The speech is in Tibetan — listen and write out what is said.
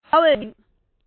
དགའ བས གཡོས བྱུང